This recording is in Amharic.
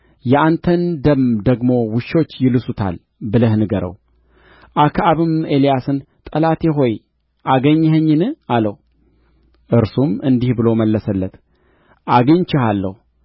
የአንተን ደም ደግሞ ውሾች ይልሱታል ብለህ ንገረው አክዓብም ኤልያስን ጠላቴ ሆይ አገኘኸኝን አለው እርሱም እንዲህ ብሎ መለሰለት አግኝቼሃለሁ